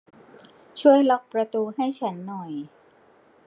ช่วยล็อกประตูให้ฉันหน่อย